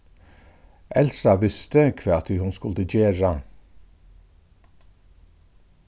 elsa visti hvat ið hon skuldi gera